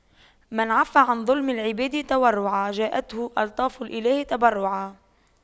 من عَفَّ عن ظلم العباد تورعا جاءته ألطاف الإله تبرعا